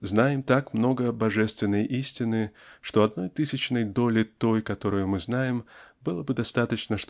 знаем так много Божественной истины что одной тысячной доли той которую мы знаем было бы достаточно